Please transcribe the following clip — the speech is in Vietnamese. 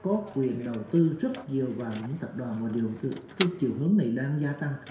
có quyền đầu tư rất nhiều vào những tập đoàn và điều từ cái chiều hướng này đang gia tăng